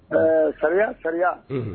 Ɛɛ sariya sariya